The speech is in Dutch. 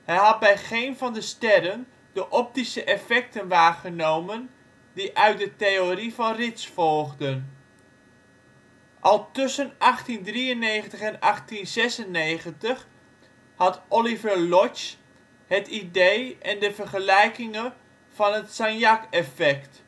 had bij geen van de sterren de optische effecten waargenomen die uit de theorie van Ritz volgden. Al tussen 1893 en 1896 had Oliver Lodge het idee en de vergelijkingen van het Sagnac-effect